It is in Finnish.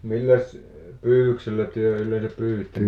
milläs pyydyksellä te yleensä pyysitte